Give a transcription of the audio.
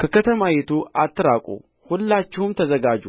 ከከተማይቱ አትራቁ ሁላችሁም ተዘጋጁ